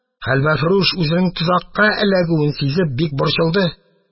Хәлвәфрүш, үзенең тозакка эләгүен сизеп, бик борчылды.